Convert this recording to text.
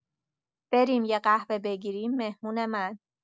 بریم یه قهوه بگیریم، مهمون من